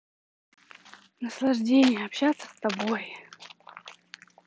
наслаждение общаться с тобой